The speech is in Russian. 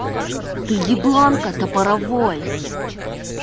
ты ебланка топоровой